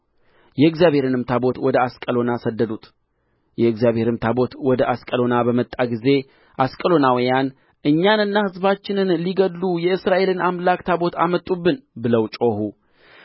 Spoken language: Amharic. የእግዚአብሔርንም ታቦት ወደ አስቀሎና ሰደዱት የእግዚአብሔር ታቦት ወደ አስቀሎና በመጣ ጊዜ አስቀሎናውያን እኛንና ሕዝባችንን ሊገድሉ የእስራኤልን አምላክ ታቦት አመጡብን ብለው ጮኹ